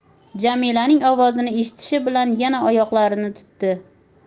jamilaning ovozini eshitishi bilan yana oyoqlarini tutdi